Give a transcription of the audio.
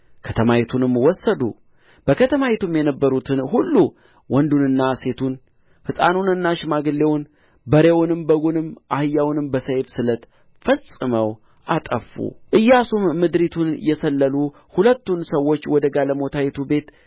ከተማይቱንም ወሰዱ በከተማይቱም የነበሩትን ሁሉ ወንዱንና ሴቱን ሕፃኑንና ሽማግሌውን በሬውንም በጉንም አህያውንም በሰይፍ ስለት ፈጽመው አጠፉ ኢያሱም ምድሪቱን የሰለሉ ሁለቱን ሰዎች ወደ ጋለሞታይቱ ቤት